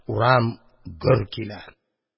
Урам гөр килә.